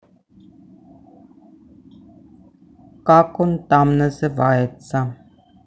как он там называется